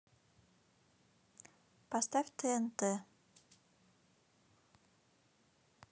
поставь тнт